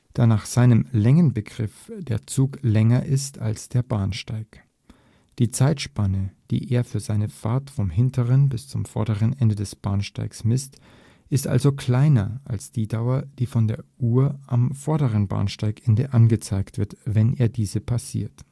da nach seinem Längenbegriff der Zug länger ist als der Bahnsteig. Die Zeitspanne, die er für seine Fahrt vom hinteren bis zum vorderen Ende des Bahnsteigs misst, ist also kleiner als die Dauer, die von der Uhr am vorderen Bahnsteigende angezeigt wird, wenn er diese passiert